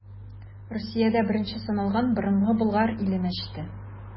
Русиядә беренче саналган Борынгы Болгар иле мәчете.